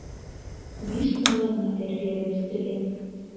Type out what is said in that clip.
Биш малай гына тәрбияләп үстергән!